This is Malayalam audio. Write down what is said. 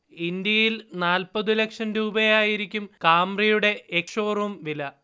ഇന്ത്യയിൽ നാല്പത് ലക്ഷം രൂപയായിരിക്കും കാംറിയുടെ എക്സ്ഷോറും വില